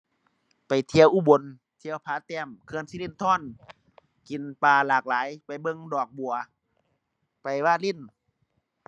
ไปเที่ยวอุบล เที่ยวผาแต้ม เขื่อนสิรินธร กินปลาหลากหลาย ไปเบิ่งดอกบัว ไปวาริน